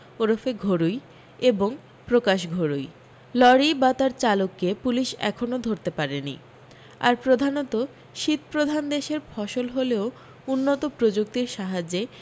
ওরফে ঘড়ুই এবং প্রকাশ ঘড়ুই লরি বা তার চালককে পুলিশ এখনও ধরতে পারেনি আর প্রধানত শীতপ্রধান দেশের ফসল হলেও উন্নত প্রযুক্তির সাহায্যে